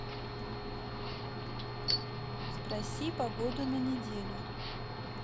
спроси погоду на неделю